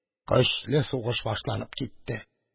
Көчле сугыш башланып китте.